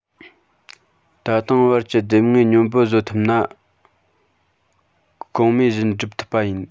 ད དུང བར གྱི ལྡེབས ངོས སྙོམས པོ བཟོ ཐུབ ན གོང སྨྲས བཞིན སྒྲུབ ཐུབ པ ཡིན